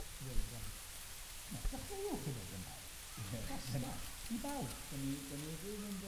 weud ond t'mod dechreuwch efo'r Gymraeg. Ie. Wastad. I bawb. 'Dan ni 'dan ni 'di fynd